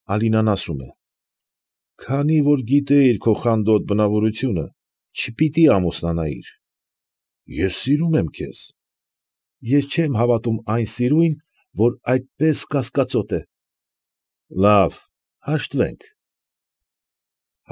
Ալինան ասում է. ֊ Քանի որ գիտեիր քո խանդոտ բնավորությունը՝ չպիտի ամուսնանայիր։ ֊ Ես սիրում եմ քեզ։ ֊ Ես չեմ հավատում այն սիրույն, որ այդպես կասկածոտ է։ ֊ Լավ, հաշտվենք։ ֊